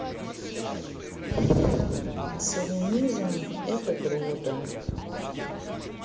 шовинизм это круто